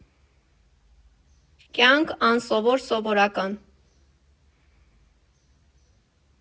Կյանք՝ անսովոր սովորական։